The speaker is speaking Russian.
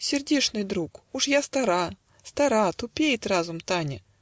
- "Сердечный друг, уж я стара, Стара тупеет разум, Таня